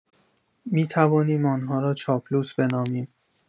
می‌توانیم آنها را چاپلوس بنامیم